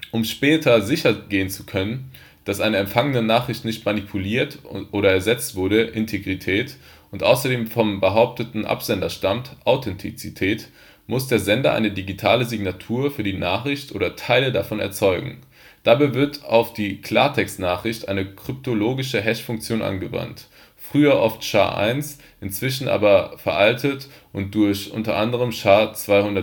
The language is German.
Um später sichergehen zu können, dass eine empfangene Nachricht nicht manipuliert oder ersetzt wurde (Integrität) und außerdem vom behaupteten Absender stammt (Authentizität), muss der Sender eine digitale Signatur für die Nachricht (oder Teile davon) erzeugen. Dabei wird auf die Klartextnachricht eine kryptologische Hashfunktion angewandt (früher oft SHA-1, inzwischen aber veraltet und durch u.a. SHA-256 ersetzt